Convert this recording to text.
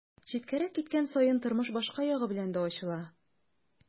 Читкәрәк киткән саен тормыш башка ягы белән дә ачыла.